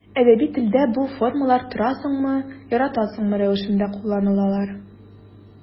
Әдәби телдә бу формалар торасыңмы, яратасыңмы рәвешендә кулланылалар.